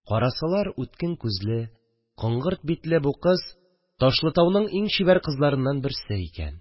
Карасалар – үткен күзле, коңгырт битле бу кыз Ташлытауның иң чибәр кызларыннан берсе икән